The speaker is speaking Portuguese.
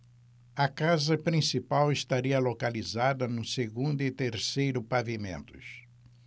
a casa principal estaria localizada no segundo e terceiro pavimentos